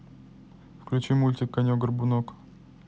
включи мультик конек горбунок